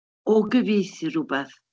O gyfieithu rywbeth.